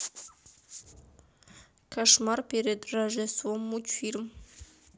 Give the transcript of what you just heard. кошмар перед рождеством мультфильм